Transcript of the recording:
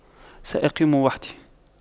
سأقيم وحدي